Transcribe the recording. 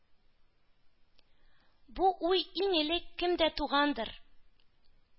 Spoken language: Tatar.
Бу уй иң элек кемдә тугандыр